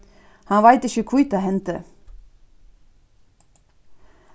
hann veit ikki hví tað hendi